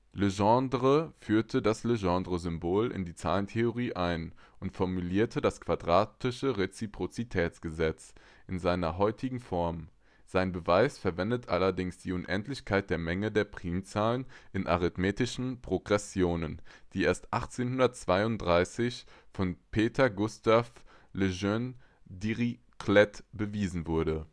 Legendre führte das Legendre-Symbol in die Zahlentheorie ein und formuliert das quadratische Reziprozitätsgesetz in seiner heutigen Form. Sein Beweis verwendet allerdings die Unendlichkeit der Menge der Primzahlen in arithmetischen Progressionen, die erst 1832 von Peter Gustav Lejeune Dirichlet bewiesen wurde